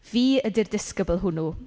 Fi ydy'r disgybl hwnnw.